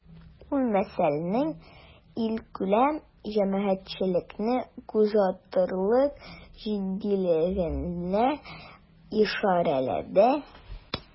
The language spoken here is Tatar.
Ул мәсьәләнең илкүләм җәмәгатьчелекне кузгатырлык җитдилегенә ишарәләде.